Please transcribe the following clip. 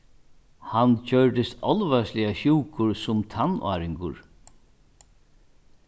hann gjørdist álvarsliga sjúkur sum tannáringur